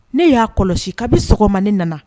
Ne y'a kɔlɔsi kabi sɔgɔma ne nana